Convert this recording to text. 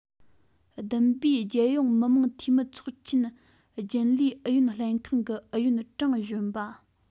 བདུན པའི རྒྱལ ཡོངས མི དམངས འཐུས མི ཚོགས ཆེན རྒྱུན ལས ཨུ ཡོན ལྷན ཁང གི ཨུ ཡོན ཀྲང གཞོན པ